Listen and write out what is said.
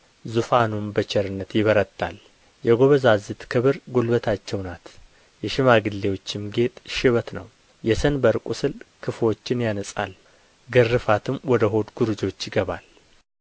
ዙፋኑም በቸርነት ይበረታል የጎበዛዝት ክብር ጕልበታቸው ናት የሽማግሌዎችም ጌጥ ሽበት ነው የሰንበር ቍስል ክፉዎችን ያነጻል ግርፋትም ወደ ሆድ ጕርጆች ይገባል